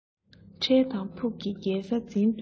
འཕྲལ དང ཕུགས ཀྱི རྒྱལ ས འཛིན འདོད ན